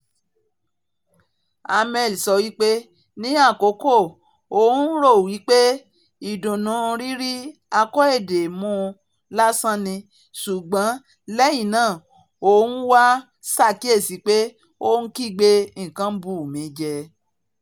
Hammel sowịpé ní àkọ́kọ́ òun rò wípé ìdùnnú rírí ako edé mú lásán ni, ṣùgbọ́n lẹ́yìn náà òun ''wá ṣàkìyèsìị́ ̀pé ó ńkígbe, 'nkań ti bù mí jẹ!